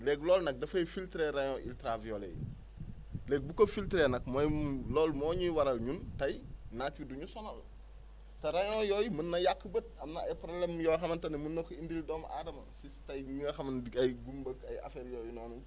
léegi loolu nag dafay filtré rayon ultra violet yi léegi bu ko filtré nag mooy mu loolu moo ñuy waral ñun tey naaj yi du ñu sonal te rayons yooyu mun na yàq bët am na ay problèmes yoo xamante ni mun na ko indil doomu aadma si tey ñi nga xam ne ay gumba ak ay affaire yooyu noonu